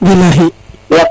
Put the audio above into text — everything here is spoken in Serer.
bilahi